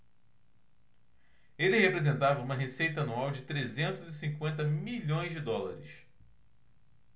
ele representava uma receita anual de trezentos e cinquenta milhões de dólares